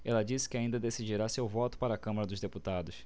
ela disse que ainda decidirá seu voto para a câmara dos deputados